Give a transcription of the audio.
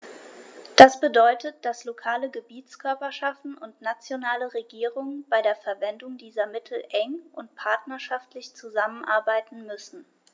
Das bedeutet, dass lokale Gebietskörperschaften und nationale Regierungen bei der Verwendung dieser Mittel eng und partnerschaftlich zusammenarbeiten müssen.